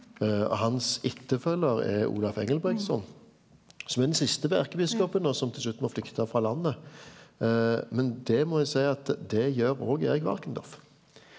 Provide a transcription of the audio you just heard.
og hans etterfølger er Olav Engelbrektsson som er den siste erkebiskopen og som til slutt må flykta frå landet men det må eg seie at det gjer òg Erik Valkendorf.